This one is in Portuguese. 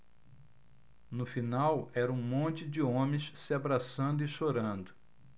no final era um monte de homens se abraçando e chorando